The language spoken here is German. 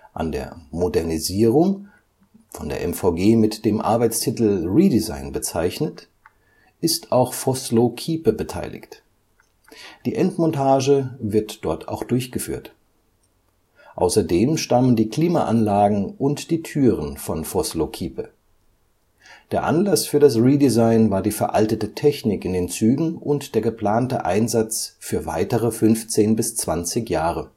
An der Modernisierung (von der MVG mit dem Arbeitstitel „ Redesign “bezeichnet) der Fahrzeuge ist auch Vossloh Kiepe beteiligt. Die Endmontage wird bei Vossloh Kiepe durchgeführt. Außerdem stammen die Klimaanlagen und die Türen von Vossloh Kiepe. Der Anlass für das Redesign war die veraltete Technik in den Zügen und der geplante Einsatz für weitere 15 bis 20 Jahre